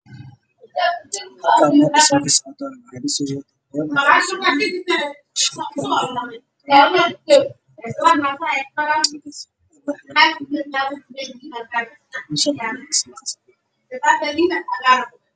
Waa guri dhismo ku socdo oo biro ku xiranyihiin